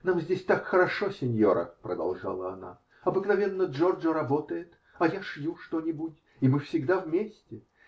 -- Нам здесь так хорошо, синьора, -- продолжала она, -- обыкновенно Джорджо работает, а я шью что-нибудь, и мы всегда вместе